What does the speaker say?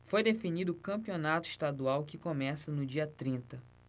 foi definido o campeonato estadual que começa no dia trinta